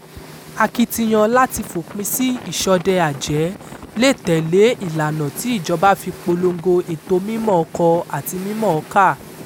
Akitiyan láti f'òpin sí ìṣọdẹ-àjẹ́ lè tẹ̀lé ìlànà tí ìjọba fi polongo ètò mímọ̀ọ-kọ-àti-mímọ̀ọ-kà.